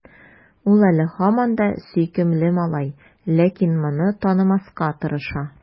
Ул әле һаман да сөйкемле малай, ләкин моны танымаска тырыша.